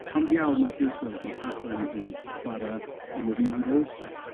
Pam ddiawl ma' Israel yn pa- yn yn chwara yn yr Euros?